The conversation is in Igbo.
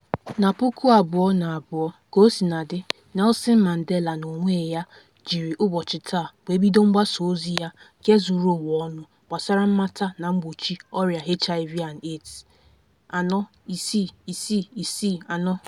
Na 2002, kaosinadị, Nelson Mandela n'onwe ya jiri ụbọchị taa wee bido mgbasa ozi ya nke zuru ụwa ọnụ gbasara mmata na mgbochi ọrịa HIV/AIDS, 46664